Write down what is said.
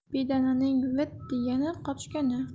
bedananing vit degani qochgani